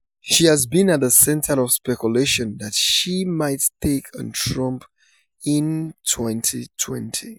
She has been at the center of speculation that she might take on Trump in 2020.